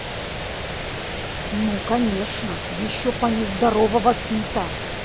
ну конечно еще по нездорового пита